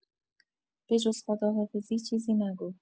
به‌جز خداحافظی چیزی نگفت.